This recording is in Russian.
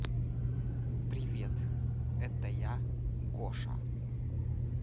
привет это я гоша